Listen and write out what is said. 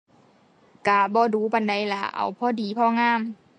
ก็บ่ดู๋ปานใดล่ะ เอาพอดีพองาม